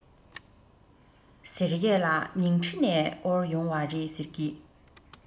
ཟེར ཡས ལ ཉིང ཁྲི ནས དབོར ཡོང བ རེད ཟེར གྱིས